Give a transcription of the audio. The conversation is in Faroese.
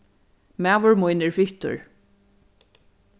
maður mín er fittur